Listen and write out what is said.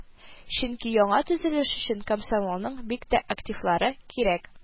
Чөнки яңа төзелеш өчен комсомолның бик тә активлары кирәк